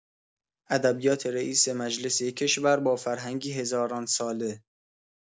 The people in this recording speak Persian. ادبیات رئیس مجلس یک کشور با فرهنگی هزاران ساله